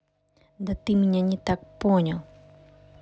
да ты мне не так понял